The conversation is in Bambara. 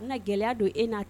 O bɛna gɛlɛya don e n'a